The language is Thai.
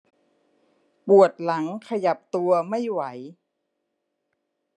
ปวดหลังขยับตัวไม่ไหว